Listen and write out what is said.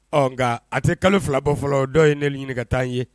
Ɔ ngaa a te kalo 2 bɔ fɔlɔ dɔ ye ne l ɲinin ka taa n ye